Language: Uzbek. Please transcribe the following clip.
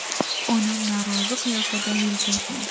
onam norozi qiyofada yelkasini qisdi